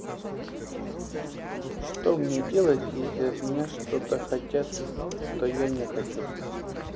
что мне делать если от меня что то хотят то я не хочу